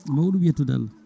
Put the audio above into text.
mawɗum yettude Allah